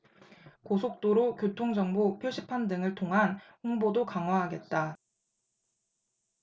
고속도로 교통정보 표시판 등을 통한 홍보도 강화하겠다